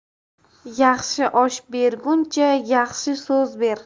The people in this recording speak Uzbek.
yaxshi osh berguncha yaxshi so'z ber